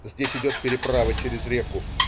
Здесь идет переправа через реку.